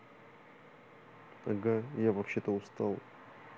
ага я вообще то устал